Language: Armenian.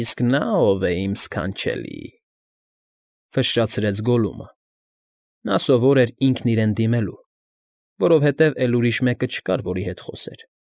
Իսկ նա՞ ով է, իմ ս֊ս֊ս֊քանչելի,֊ ֆշշացրեց Գոլլումը (նա սովոր էր ինքն իրեն դիմելու, որովհետև էլ ուրիշ մեկը չկար, որի հետ խոսեր)։